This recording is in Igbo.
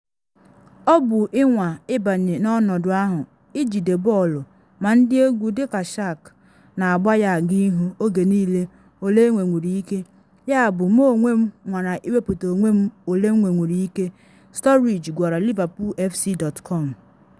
“Ọ bụ ịnwa ịbanye n’ọnọdụ ahụ, ijide bọọlụ ma ndi egwu dị ka Shaq na agba ya aga ihu oge niile ole enwenwuru ike, yabụ m onwe m nwara iwepụta onwe m ole m nwenwuru ike, “Sturridge gwara LiverpoolFC.com.